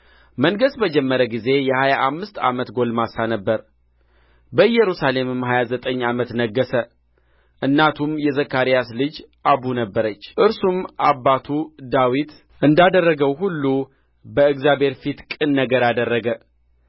መንገሥ በጀመረ ጊዜ የሀያ አምስት ዓመት ጕልማሳ ነበረ በኢየሩሳሌምም ሀያ ዘጠኝ ዓመት ነገሠ እናቱም የዘካርያስ ልጅ አቡ ነበረች እርሱም አባቱ ዳዊት እንዳደረገው ሁሉ በእግዚአብሔር ፊት ቅን ነገርን አደረገ